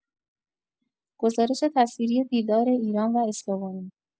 گزارش تصویری دیدار ایران و اسلوونی